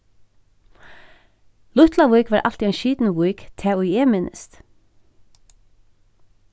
lítlavík var altíð ein skitin vík tað ið eg minnist